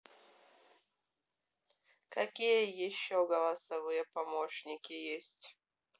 какие еще голосовые помощники есть